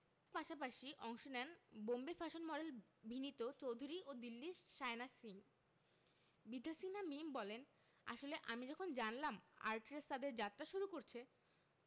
পাশাপাশি অংশ নেন বোম্বের ফ্যাশন মডেল ভিনিত চৌধুরী ও দিল্লির শায়না সিং বিদ্যা সিনহা মিম বলেন আসলে আমি যখন জানলাম আর্টরেস তাদের যাত্রা শুরু করছে